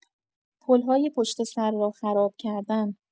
پل‌های پشت‌سر را خراب کردن